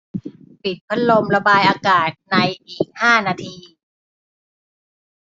ปิดพัดลมระบายอากาศในอีกห้านาที